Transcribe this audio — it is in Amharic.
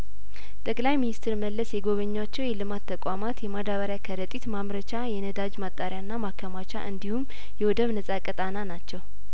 ጠቅላይ ሚኒስትር መለስ የጐ በኟቸው የልማት ተቋማት የማዳበሪያ ከረጢት ማምረቻ የነዳጅ ማጣሪያና ማከማቻ እንዲሁም የወደብ ነጻ ቀጣና ናቸው